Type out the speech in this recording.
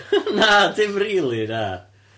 Na, dim rili na.